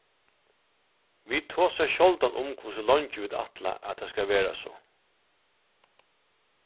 vit tosa sjáldan um hvussu leingi vit ætla at tað skal vera so